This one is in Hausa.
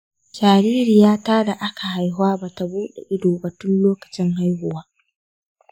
jaririyata da aka haifa ba ta buɗe ido ba tun lokacin haihuwa.